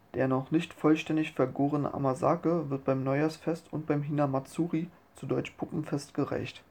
Der noch nicht vollständig vergorene Amazake wird beim Neujahrsfest und beim Hina-Matsuri (Puppenfest) gereicht